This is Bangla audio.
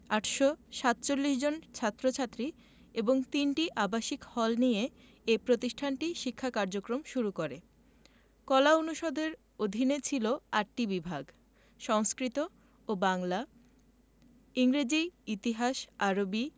৮৪৭ জন ছাত্র ছাত্রী এবং ৩টি আবাসিক হল নিয়ে এ প্রতিষ্ঠানটি শিক্ষা কার্যক্রম শুরু করে কলা অনুষদের অধীনে ছিল ৮টি বিভাগ সংস্কৃত ও বাংলা ইংরেজি ইতিহাস আরবি